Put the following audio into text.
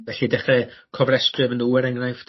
felly dechre cofrestru efo n'w er enghraifft